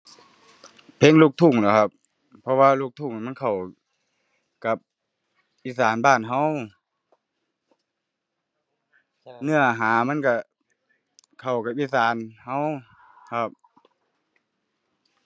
เพลงลูกทุ่งแหล้วครับ เพราะว่าลูกทุ่งมันเข้ากับอีสานบ้านเรา เนื้อหามันเราเข้ากับอีสานเราครับ